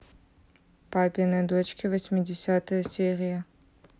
папины дочки восьмидесятая серия